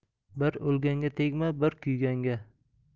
bir o'lganga tegma bir kuyganga